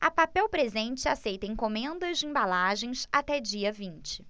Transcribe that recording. a papel presente aceita encomendas de embalagens até dia vinte